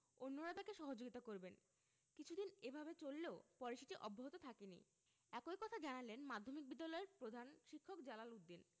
অন্যরা তাঁকে সহযোগিতা করবেন কিছুদিন এভাবে চললেও পরে সেটি অব্যাহত থাকেনি একই কথা জানালেন মাধ্যমিক বিদ্যালয়ের প্রধান শিক্ষক জালাল উদ্দিন